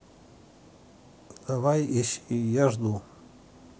давай ищи я жду